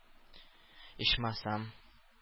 Ичмасам